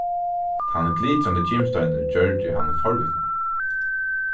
tann glitrandi gimsteinurin gjørdi hann forvitnan